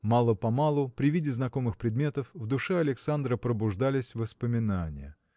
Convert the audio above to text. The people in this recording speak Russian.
Мало-помалу при виде знакомых предметов в душе Александра пробуждались воспоминания.